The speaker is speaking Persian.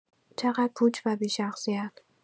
چقدر پوچ و بی‌شخصیت